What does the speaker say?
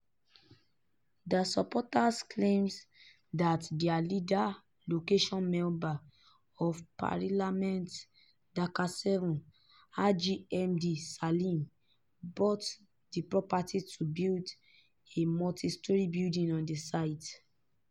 The supporters claim that their leader, local member of parliament (Dhaka-7) Haji Md. Salim, bought the property to build a multi-story building on the site.